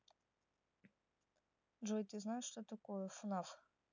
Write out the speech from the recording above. джой ты знаешь что такое фнаф